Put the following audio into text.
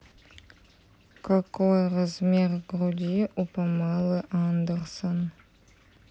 какой размер груди у памелы андерсон